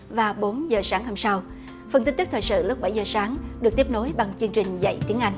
và bốn giờ sáng hôm sau phần tin tức thời sự lúc bảy giờ sáng được tiếp nối bằng chương trình dạy tiếng anh